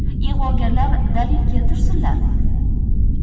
ig'vogarlar dalil keltursinlar